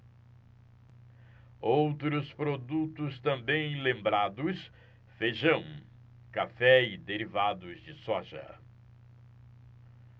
outros produtos também lembrados feijão café e derivados de soja